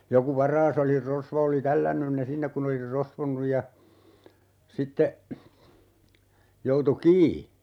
joku varas oli rosvo oli tällännyt ne sinne kun oli ne rosvonnut ja sitten joutui kiinni